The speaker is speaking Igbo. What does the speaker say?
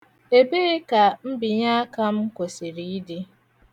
Ebee ka mbinyeaka m kwesịrị ịdị?